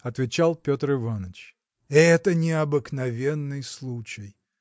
– отвечал Петр Иваныч, – это необыкновенный случай.